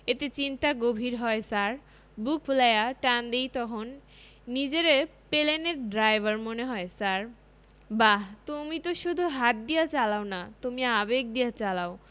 এতে চিন্তা গভীর হয় ছার বুক ফুলায়া টান দেই তহন নিজেরে পেলেনের ড্রাইভার মনে হয় ছার... বাহ তুমি তো শুধু হাত দিয়া চালাও না তুমি আবেগ দিয়া চালাও